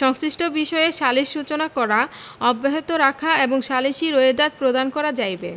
সংশ্লিষ্ট বিষয়ে সালিস সূচনা করা অব্যাহত রাখা এবং সালিসী রোয়েদাদ প্রদান করা যাইবে